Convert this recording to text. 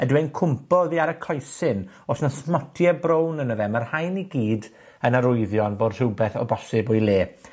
Ydyw e'n cwmpo oddi ar y coesyn? O's 'na smotie brown ano fe? Ma' rhain i gyd yn arwyddion bod rhwbeth o bosib o'i le.